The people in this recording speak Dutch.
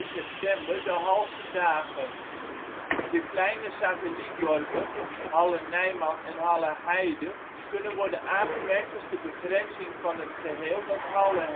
september de " Halse Dagen ". De kleine " satelliet-dorpen " Halle-Nijman en Halle-Heide kunnen worden aangemerkt als de begrenzing van het geheel dat Halle